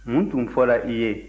mun tun fɔra i ye